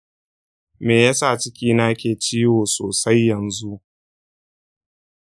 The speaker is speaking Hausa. me yasa cikina ke ciwo sosai yanzu?